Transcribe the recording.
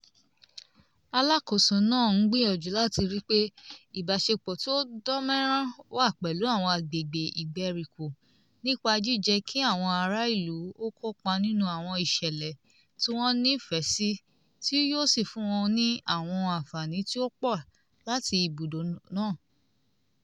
Alákóso náà ń gbìyànjú láti ríi pé ìbáṣepọ̀ tí ó dán mẹ́rán wà pẹ̀lú àwọn agbègbè ìgbèríko nípa jíjẹ́ kí àwọn ará ìlú ó kópa nínú àwọn ìṣẹ̀lẹ̀ tí wọ́n nífẹ̀ẹ́ sí tí yóò sì fún wọn ní àwọn àǹfààní tí ó pọ̀ láti ibùdó náà.